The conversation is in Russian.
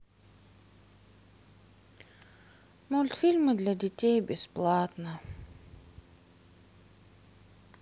мультфильмы для детей бесплатно